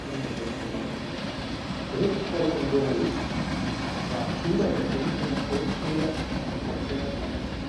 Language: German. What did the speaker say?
1996), Schriftsteller und Journalist, war Schüler der Sendlinger Volksschule am Gotzinger Platz